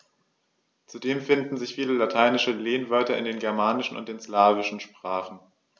Zudem finden sich viele lateinische Lehnwörter in den germanischen und den slawischen Sprachen.